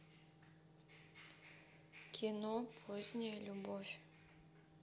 кино поздняя любовь